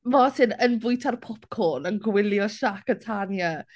Martin yn bwyta'r popcorn yn gwylio Shaq a Tanya.